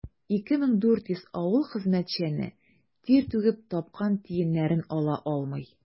2400 авыл хезмәтчәне тир түгеп тапкан тиеннәрен ала алмый.